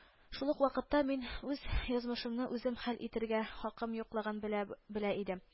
Шул ук вакытта мин үз язмышымны үзем хәл итәргә хакым юклыгын белә белә идем